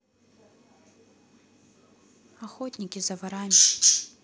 охотники за ворами